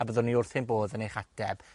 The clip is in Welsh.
a byddwn ni wrth ein bodd yn eich ateb.